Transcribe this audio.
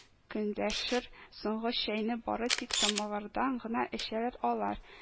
Көнләшер соңгы чәйне бары тик самавырдан гына эчәләр алар